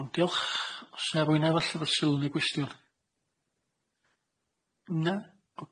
Iawn diolch. O's na rywun arall efo sylw ne' gwestiwn? Na. Oce.